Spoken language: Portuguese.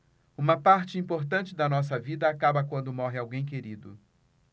uma parte importante da nossa vida acaba quando morre alguém querido